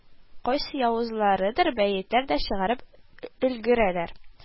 Кайсы явызларыдыр бәетләр дә чыгарып өлгерәләр